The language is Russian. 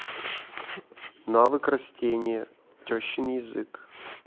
навык растение тещин язык